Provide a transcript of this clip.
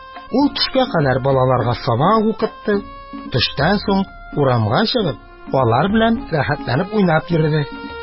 Ул төшкә кадәр балаларга сабак укытты, төштән соң, урамга чыгып, алар белән рәхәтләнеп уйнап йөрде.